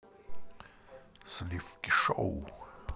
сливки шоу